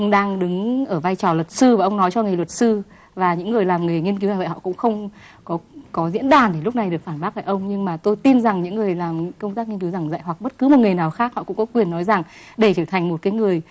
ông đang đứng ở vai trò luật sư và ông nói cho nghề luật sư và những người làm nghề nghiên cứu về họ cũng không có có diễn đàn thì lúc này được phản bác lại ông nhưng mà tôi tin rằng những người làm công tác nghiên cứu giảng dạy hoặc bất cứ một người nào khác họ cũng có quyền nói rằng để trở thành một cái người